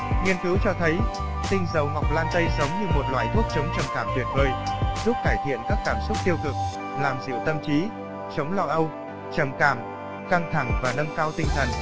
nghiên cứu cho thấy tinh dầu ngọc lan tây giống như một loại thuốc chống trầm cảm tuyệt vời giúp cải thiện các cảm xúc tiêu cực làm dịu tâm trí chống lo âu trầm cảm căng thẳng và nâng cao tinh thần